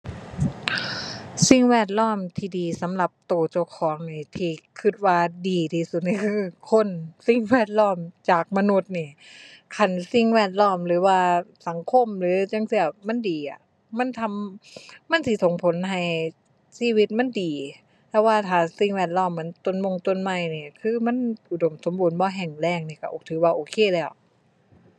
สิ่งแวดล้อมที่ดีสำหรับตัวเจ้าของนี่ที่ตัวว่าดีที่สุดนี่คือคน สิ่งแวดล้อมจากมนุษย์นี่ คันสิ่งแวดล้อมหรือว่าสังคม หรือจั่งซี้มันดีอะ มันทำ มันสิส่งผลให้ชีวิตมันดี แต่ว่าถ้าสิ่งแวดล้อมเหมือนต้นมงต้นไม้นี่คือมันอุดมสมบูรณ์ บ่แห้งแล้งนี่ตัวถือว่า OK แล้ว